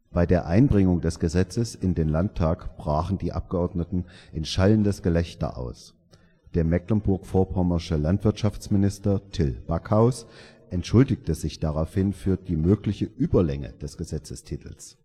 Bei der Einbringung des Gesetzes in den Landtag brachen die Abgeordneten in schallendes Gelächter aus. Der mecklenburg-vorpommersche Landwirtschaftsminister Till Backhaus entschuldigte sich daraufhin für die „ mögliche “Überlänge des Gesetzestitels